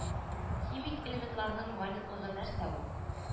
Химик элементларның валентлыгы нәрсә ул